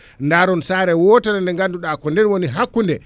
daaron saare wotere nde ganduɗa ko nden woni hakkude